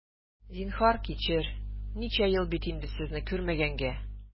Зинһар, кичер, ничә ел бит инде сезне күрмәгәнгә!